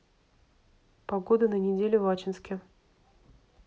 погода на неделю в ачинске